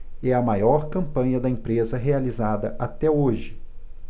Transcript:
é a maior campanha da empresa realizada até hoje